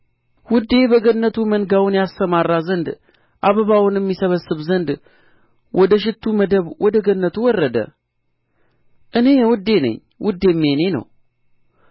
ውዴ በገነቱ መንጋውን ያሰማራ ዘንድ አበባውንም ይሰበስብ ዘንድ ወደ ሽቱ መደብ ወደ ገነቱ ወረደ እኔ የወዴ ነኝ ውዴም የእኔ ነው